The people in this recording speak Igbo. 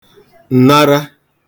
ǹnara